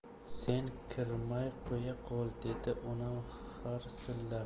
sen kirmay qo'ya qol dedi onam harsillab